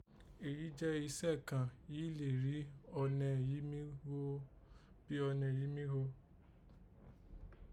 Eyi jẹ́ iṣẹ́ kàn yìí lè rí ọnẹ yìí mí ghò ó bí ọnẹ yìí mí gho